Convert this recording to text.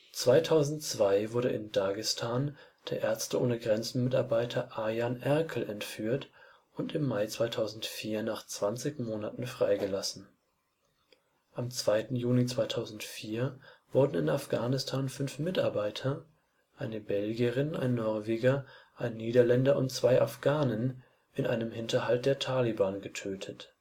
2002 wurde in Dagestan der MSF-Mitarbeiter Arjan Erkel entführt und im Mai 2004 nach 20 Monaten freigelassen. Am 2. Juni 2004 wurden in Afghanistan fünf Mitarbeiter (eine Belgierin, ein Norweger, ein Niederländer und zwei Afghanen) in einem Hinterhalt der Taliban getötet